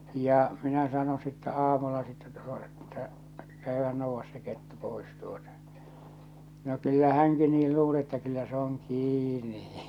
ja minä sanoin sitten aamulla sitten - että käyhän nouda se kettu pois tuota no kyllä hänkin niin luuli että kyllä se on kiinni